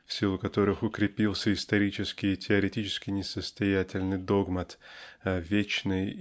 в силу которых укрепился исторически и теоретически несостоятельный догмат о вечной